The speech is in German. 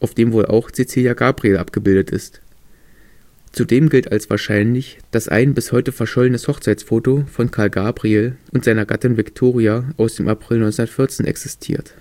dem wohl auch Cäzilia Gabriel abgebildet ist. Zudem gilt als wahrscheinlich, dass ein bis heute verschollenes Hochzeitsfoto von Karl Gabriel und seiner Gattin Viktoria aus dem April 1914 existiert